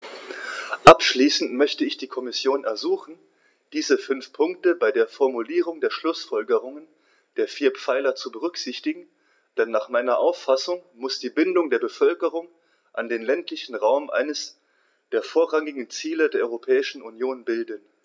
Abschließend möchte ich die Kommission ersuchen, diese fünf Punkte bei der Formulierung der Schlußfolgerungen der vier Pfeiler zu berücksichtigen, denn nach meiner Auffassung muss die Bindung der Bevölkerung an den ländlichen Raum eines der vorrangigen Ziele der Europäischen Union bilden.